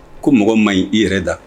Ko mɔgɔ maɲi i yɛrɛ da.